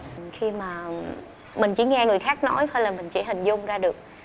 khi mà mình chỉ nghe người khác nói thôi là mình chỉ hình dung ra được